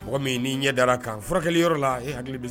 Mɔgɔ min n'i ɲɛ da kan furakɛ kelen yɔrɔ la e hakili